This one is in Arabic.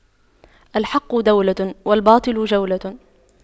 الحق دولة والباطل جولة